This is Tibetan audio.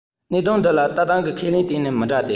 གནད དོན འདི ལ ལྟ སྟངས ནི ཁས ལེན གཏན ནས མི འདྲ སྟེ